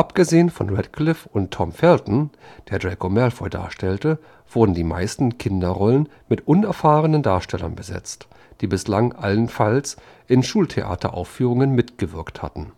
Abgesehen von Radcliffe und Tom Felton, der Draco Malfoy darstellte, wurden die meisten Kinderrollen mit unerfahrenen Darstellern besetzt, die bislang allenfalls in Schultheateraufführungen mitgewirkt hatten